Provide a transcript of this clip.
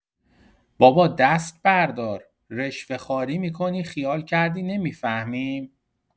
بابا دست بردار، رشوه‌خواری می‌کنی خیال کردی نمی‌فهمیم؟